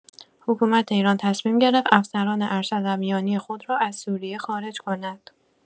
حکومت ایران تصمیم گرفت افسران ارشد و میانی خود را از سوریه خارج کند.